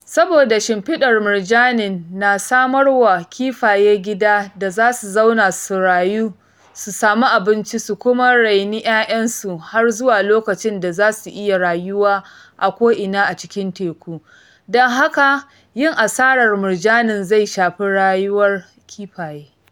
Saboda shimfiɗar murjanin na samarwa kifaye gida da za su zauna su rayu su samu abinci su kuma raini 'ya'yansu har zuwa lokacin da za su iya rayuwa a ko'ina a cikin teku, don haka yin asarar murjanin zai shafi rayuwar kifaye.